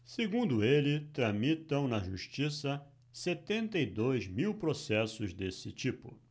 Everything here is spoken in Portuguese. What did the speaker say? segundo ele tramitam na justiça setenta e dois mil processos desse tipo